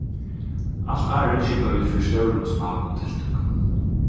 alt árið skipa vit fyri stórum og smáum tiltøkum